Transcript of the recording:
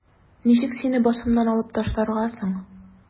Ничек сине башымнан алып ташларга соң?